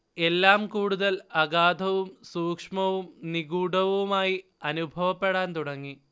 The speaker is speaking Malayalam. എല്ലാം കൂടുതൽ അഗാധവും സൂക്ഷ്മവും നിഗൂഢവുമായി അനുഭവപ്പെടാൻ തുടങ്ങി